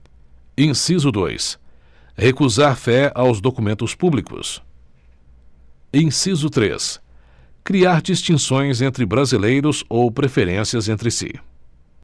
inciso dois recusar fé aos documentos públicos inciso três criar distinções entre brasileiros ou preferências entre si